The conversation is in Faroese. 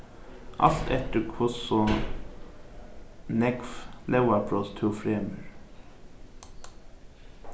alt eftir hvussu nógv lógarbrot tú fremur